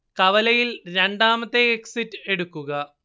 കവലയിൽ രണ്ടാമത്തെ എക്സിറ്റ് എടുക്കുക